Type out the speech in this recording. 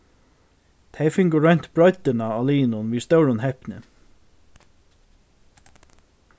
tey fingu roynt breiddina á liðinum við stórum hepni